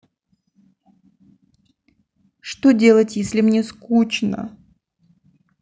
что делать если мне скучно